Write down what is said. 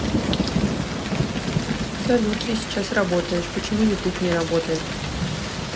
салют ты сейчас работаешь почему youtube не работает